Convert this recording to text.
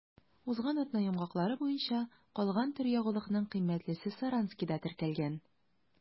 Узган атна йомгаклары буенча калган төр ягулыкның кыйммәтлесе Саранскида теркәлгән.